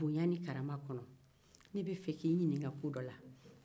ne b'a fɛ k'i ɲininka ko dɔ la bonya ni karama kɔnɔ